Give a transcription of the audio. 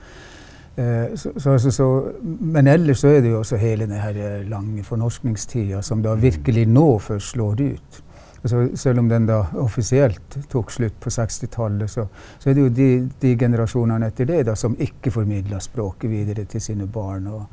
så altså så men ellers er det jo altså hele den herre lange fornorskingstida som da virkelig nå først slår ut selv om den da offisielt tok slutt på seksti-tallet så så er det jo de de generasjonene etter det da som ikke formidla språket videre til sine barn og.